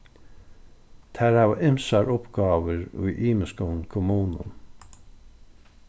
tær hava ymsar uppgávur í ymiskum kommunum